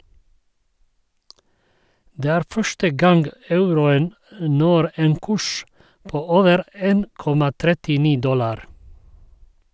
Det er første gang euroen når en kurs på over 1,39 dollar.